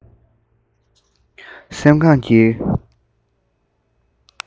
སེམས ཁམས ཀྱི